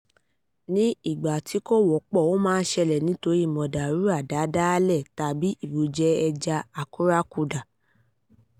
Ní ìgbà tí kò wọ́pọ̀, ó máa ń ṣẹlẹ̀ nítorí mọ̀dàrú àdádáálẹ̀ tàbí ìbùjẹ ẹja àkúrákudà.